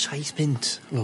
Saith punt, Lowri.